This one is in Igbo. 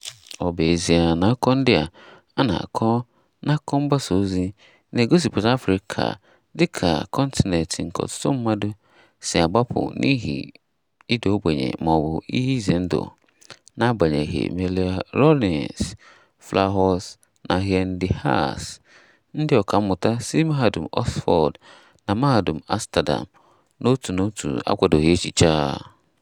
Ọ bụ ezie na akụkọ ndị a na-akọ n'akụkọ mgbasaozi na-egosipụta Afrịka dịka kọntinent nke ọtụtụ mmadụ si agbapụ n'ihi ịda ogbenye mọọbụ ihe ize ndụ. N'agbanyeghị, Marie-Laurence Flahaux na Hein De Haas, ndị ọkàmmụta si Mahadum Oxford na Mahadum Amsterdam, n'otu n'otu, akwadoghị echiche a.